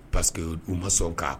Parce que u ma sɔn kan